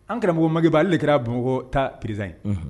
An karamɔgɔ maba ale kɛra bamakɔ ta perez ye